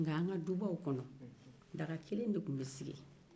nka an ka dubaw kɔnɔ daga kelen de tun bɛ sigi